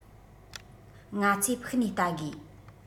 ང ཚོས ཕུགས ནས བལྟ དགོས